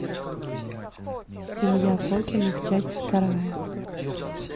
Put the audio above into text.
семья фокиных часть вторая